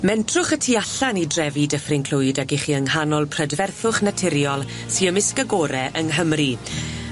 Mentrwch y tu allan i drefi Dyffryn Clwyd ag 'ych chi yng nghanol prydferthwch naturiol sy ymysg y gore yng Nghymru.